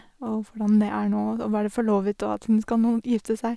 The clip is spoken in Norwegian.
Og hvordan det er nå å være forlovet og at hun skal nå gifte seg.